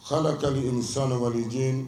Ha kasa nibali diɲɛ